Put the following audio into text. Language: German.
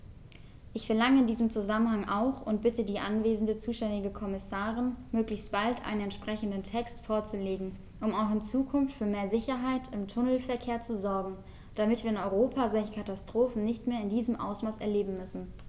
Ich verlange in diesem Zusammenhang auch und bitte die anwesende zuständige Kommissarin, möglichst bald einen entsprechenden Text vorzulegen, um auch in Zukunft für mehr Sicherheit im Tunnelverkehr zu sorgen, damit wir in Europa solche Katastrophen nicht mehr in diesem Ausmaß erleben müssen!